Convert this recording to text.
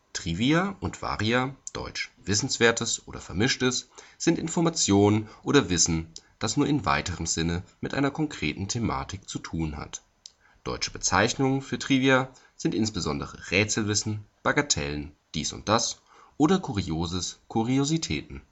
Trivia und Varia, deutsch Wissenswertes oder Vermischtes, sind Informationen oder Wissen, das nur in weiterem Sinne mit einer konkreten Thematik zu tun hat. Deutsche Bezeichnungen für Trivia sind insbesondere Rätselwissen, Bagatellen, Dies und das oder Kurioses/Kuriositäten